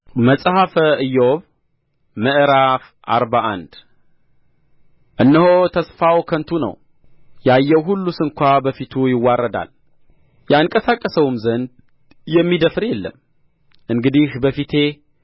መጽሐፈ ኢዮብ ምዕራፍ አርባ አንድ እነሆ ተስፋው ከንቱ ነው ያየው ሁሉ ስንኳ በፊቱ ይዋረዳል ያንቀሳቅሰውም ዘንድ የሚደፍር የለም እንግዲህ በፊቴ